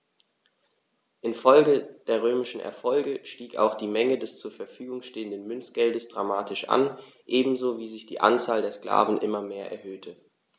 Infolge der römischen Erfolge stieg auch die Menge des zur Verfügung stehenden Münzgeldes dramatisch an, ebenso wie sich die Anzahl der Sklaven immer mehr erhöhte.